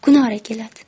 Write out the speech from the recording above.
kunora keladi